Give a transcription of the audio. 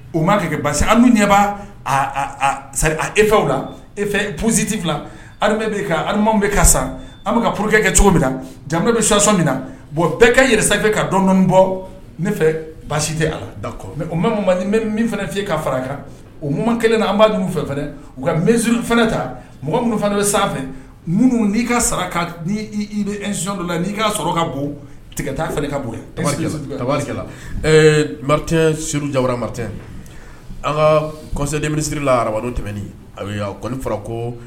U ma kɛ basi an ɲɛba e fɛw la e psiti fila bɛlima bɛ ka san an bɛ ka pkekɛ cogo min na jamana bɛ ssɔ min na bon bɛɛ ka yɛrɛ ka dɔn bɔ ne fɛ baasi tɛ a la kɔ mɛ bɛ min fana f fi ka fara kan u ma kelen an b' juru fɛ u kauru fana ta mɔgɔ minnu fana bɛ sanfɛ n nii ka sara ni i bɛ ezyonɔn la n'i'a sɔrɔ ka bon tigɛta fɛ ka bonla mama suru jawamatɛ an ka kɔ denmisɛnninsiriri la ararabamadu tɛmɛn a bɛ kɔni fara ko